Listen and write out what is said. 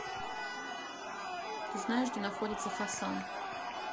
ты знаешь где находится хасан